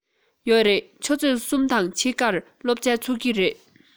ཡོད རེད ཆུ ཚོད གསུམ དང ཕྱེད ཀར སློབ ཚན ཚུགས ཀྱི རེད